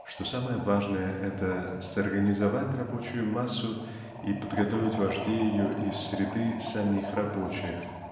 что самое важное -- это сорганизовать рабочую массу и подготовить вождей ее из среды самих рабочих.